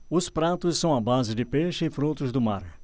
os pratos são à base de peixe e frutos do mar